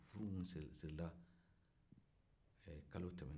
furu min siri sirila ɛɛ kalo tɛmɛnen